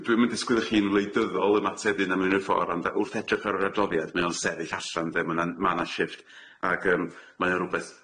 Dwi dwi'm yn disgwyl i chi'n wleidyddol ymateb i hynna mewn unrhyw ffor' ond wrth edrych ar yr adroddiad mae o'n sefyll allan de ma' 'na ma' 'na shifft ag yym mae o'n rwbeth,